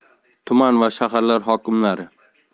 tuman va shaharlar hokimlari